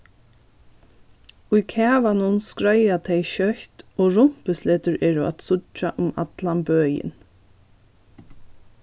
í kavanum skreiða tey skjótt og rumpusletur eru at síggja um allan bøin